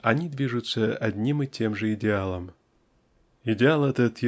они движутся одним и тем же идеалом. Идеал этот